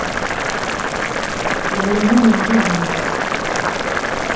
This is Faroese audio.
eg verði liðug um fáar minuttir